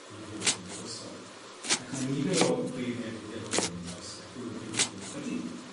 i fod yn dywysog. Ac ma' nifer o feirnied wedi awgrymu taw speculum principum ydi